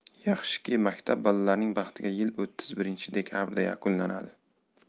yaxshiki maktab bolalarining baxtiga yil o'ttiz birinchi dekabrda yakunlanadi